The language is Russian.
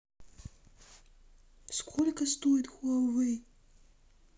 сколько стоит хуавей